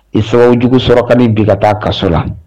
I sogo jugu sɔrɔkali bi ka taa kaso la